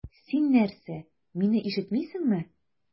Син нәрсә, мине ишетмисеңме?